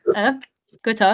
Yy? Gweud 'to?